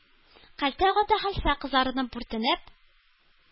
Кәлтә Гата хәлфә, кызарынып-бүртенеп: